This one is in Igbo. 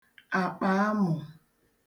àkpàamụ̀